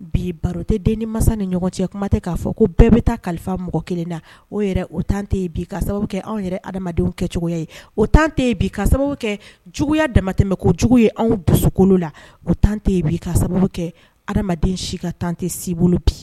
Bi baro tɛden ni masa ni ɲɔgɔn cɛ kuma tɛ k'a fɔ ko bɛɛ bɛ taa kalifa mɔgɔ kelen na o o tante ka sababu anw yɛrɛ ha adama kɛ cogoya ye o tante bi ka sababu kɛ juguya damatɛ ko jugu ye anw dusukolo la o tantei ka sababu kɛ adamaden si ka tante si bi